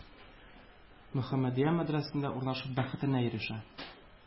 -мөхәммәдия, мәдрәсәсенә урнашу бәхетенә ирешә.